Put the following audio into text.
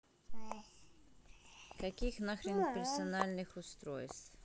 каких нахрен персональных устройств